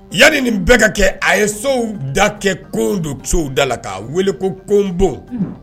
Yaani nin bɛ ka kɛ a ye sow da kɛ ko don sow da la k'a wele ko kobo